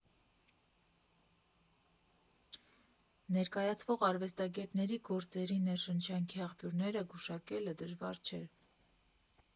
Ներկայացվող արվեստագետների գործերի ներշնչանքի աղբյուրը գուշակելը դժվար չէ։